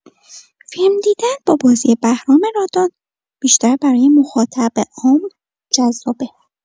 فیلم دیدن با بازی بهرام رادان بیشتر برای مخاطب عام جذابه.